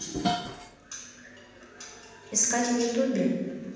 искать в ютубе